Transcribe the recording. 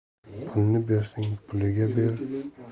pulni bersang pulliga